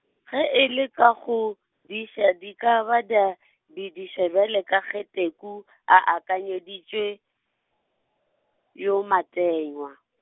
ge e le ka go, diša di ka ba tša di diša bjale ka ge Teku, a akanyeditše, yo Matengwa.